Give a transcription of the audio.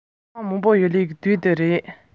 ཁོས ང རང པང དུ བླངས ཏེ